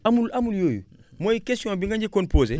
amul amul yooyu mooy question bi nga njëkkoon posé